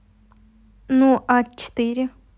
ну а четыре